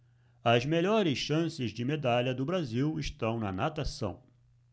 as melhores chances de medalha do brasil estão na natação